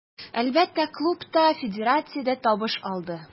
Әлбәттә, клуб та, федерация дә табыш алды.